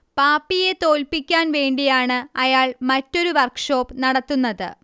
പാപ്പിയെ തോൽപ്പിക്കാൻ വേണ്ടിയാണ് അയാൾ മറ്റൊരു വർക്ക്ഷോപ്പ് നടത്തുന്നത്